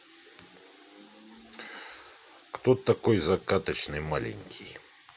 кто такой закаточный маленький